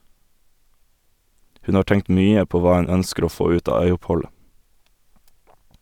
Hun har tenkt mye på hva hun ønsker å få ut av øyoppholdet.